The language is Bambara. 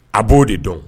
A b'o de dɔn